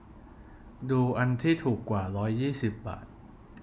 ดูอันที่ถูกกว่าร้อยยี่สิบบาท